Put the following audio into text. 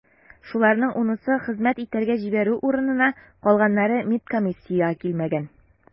Шуларның унысы хезмәт итәргә җибәрү урынына, калганнары медкомиссиягә килмәгән.